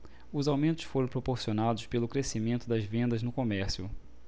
os aumentos foram proporcionados pelo crescimento das vendas no comércio